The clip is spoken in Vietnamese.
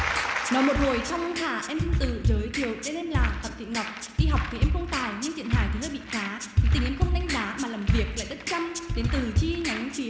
nói một hồi thong thả em xin tự giới thiệu tên em là tập thị ngọc đi học thì em không tài nhưng diễn hài thì hơi bị khá tính tình em không đánh đá mà làm việc lại rất chăm đến từ chi nhánh phía